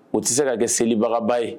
O tɛ se ka kɛ selibagaba ye